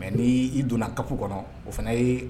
Mais ni i donna CAP kɔnɔ o fana ye